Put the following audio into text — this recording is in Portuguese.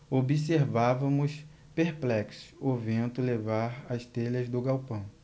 observávamos perplexos o vento levar as telhas do galpão